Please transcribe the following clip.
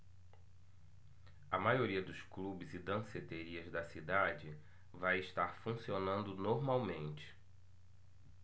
a maioria dos clubes e danceterias da cidade vai estar funcionando normalmente